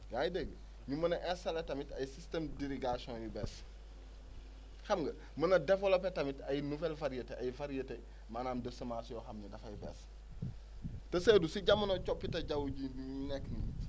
yaa ngi dégg ñu mën a installé tamit ay syqtèmes d' irrigation yu bees xam nga mën a développé tamit ay nouvelles variétés ay variétés maanaam de semence yoo xam ni dafay bees te Seydou si jamonoy coppite jaww jii ~,nu nekk nii